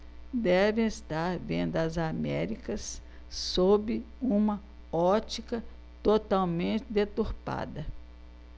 devem estar vendo as américas sob uma ótica totalmente deturpada